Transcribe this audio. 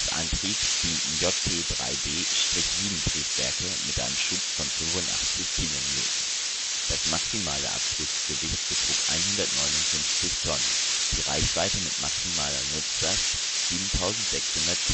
Antrieb dienten JT3D-7-Triebwerke mit einem Schub von 85 kN. Das maximale Abfluggewicht betrug 159 Tonnen, die Reichweite mit maximaler Nutzlast 7.600 km. Der